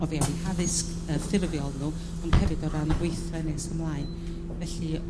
o fewn 'u haddysg yrr ffurfiol nhw ond hefyd o ran y gweithle nes ymlaen felly